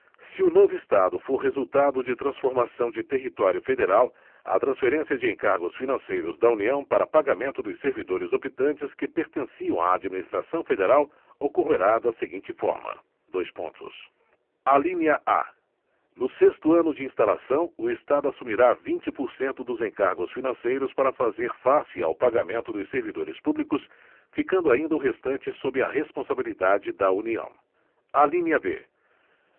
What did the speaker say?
se o novo estado for resultado de transformação de território federal a transferência de encargos financeiros da união para pagamento dos servidores optantes que pertenciam à administração federal ocorrerá da seguinte forma dois pontos alínea a no sexto ano de instalação o estado assumirá vinte por cento dos encargos financeiros para fazer face ao pagamento dos servidores públicos ficando ainda o restante sob a responsabilidade da união alínea b